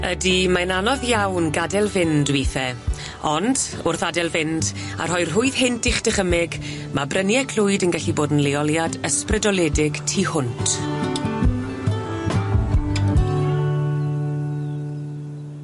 Ydi mae'n anodd iawn gad'el fynd withe ond, wrth ade'l fynd a rhoi rhwydd hynt i'ch dychymyg ma' brynie Clwyd yn gallu bod yn leoliad ysbrydoledig tu hwnt.